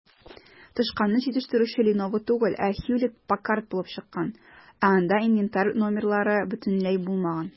Тычканны җитештерүче "Леново" түгел, ә "Хьюлетт-Паккард" булып чыккан, ә анда инвентарь номерлары бөтенләй булмаган.